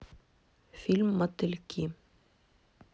фильм мотыльки